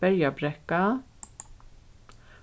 berjabrekka